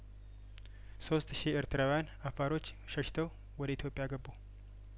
ሶስት ሺ ኤርትራውያን አፋሮች ሸሽተው ወደ ኢትዮጵያ ገቡ